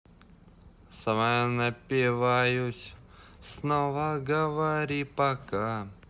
самая напиваюсь снова говори пока